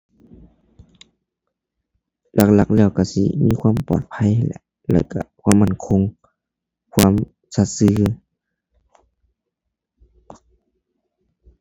หลักหลักแล้วก็สิมีความปลอดภัยนั่นแหละ แล้วก็ความมั่นคง ความสัตย์ซื่อ